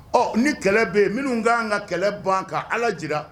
Ɔ ni kɛlɛ bɛ yen minnu ka kan ka kɛlɛ ban ka ala jira